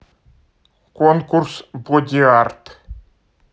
конкурс бодиарт